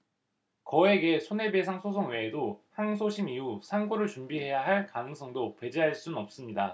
거액의 손해배상 소송 외에도 항소심 이후 상고를 준비해야 할 가능성도 배제할 순 없습니다